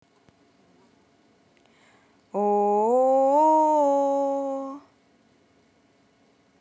ооо